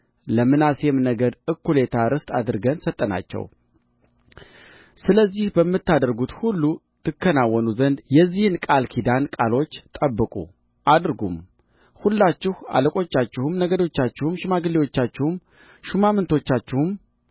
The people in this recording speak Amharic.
ለምናሴም ነገድ እኵሌታ ርስት አድርገን ሰጠናቸው ስለዚህ በምታደርጉት ሁሉ ትከናወኑ ዘንድ የዚህን ቃል ኪዳን ቃሎች ጠብቁ አድርጉም ሁላችሁ አለቆቻችሁም ነገዶቻችሁም ሽማግሌዎቻችሁም ሹማምቶቻችሁም